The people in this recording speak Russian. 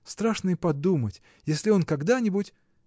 Страшно и подумать, если он когда-нибудь.